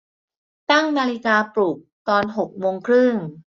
ตั้งนาฬิกาปลุกตอนหกโมงครึ่ง